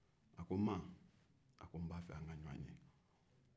a ko ma